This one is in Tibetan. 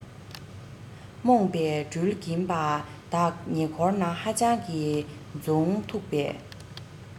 རྨོངས པས འདྲུལ གྱིན པ དག ཉེ འཁོར ན ཧ ཅང གི རྫོང མཐུག པས